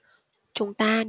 chúng ta